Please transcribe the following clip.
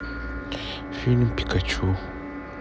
фильм пикачу